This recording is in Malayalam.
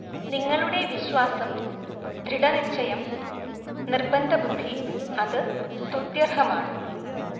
നിങ്ങളുടെ വിശ്വാസം, ദൃഢനിശ്ചയം നിർബന്ധബുദ്ധി അത് സ്തുത്യർഹമാണ്